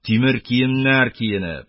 Тимер киемнәр киенеп,